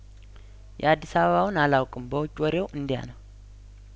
የአዲስ አበባውን አላውቅም በውጭ ወሬው እንዲያነው